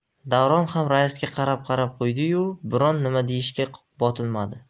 davron ham raisga qarab qarab qo'ydi yu biron nima deyishga botinmadi